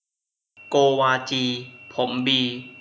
โกวาจีผมบี